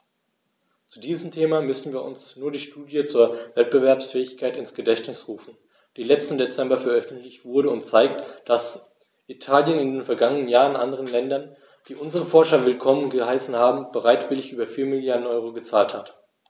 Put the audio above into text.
Zu diesem Thema müssen wir uns nur die Studie zur Wettbewerbsfähigkeit ins Gedächtnis rufen, die letzten Dezember veröffentlicht wurde und zeigt, dass Italien in den vergangenen Jahren anderen Ländern, die unsere Forscher willkommen geheißen haben, bereitwillig über 4 Mrd. EUR gezahlt hat.